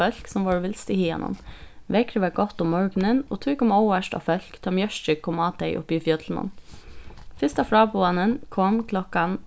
fólk sum vóru vilst í haganum veðrið var gott um morgunin og tí kom óvart á fólk tá mjørki kom á tey uppi í fjøllunum fyrsta fráboðanin kom klokkan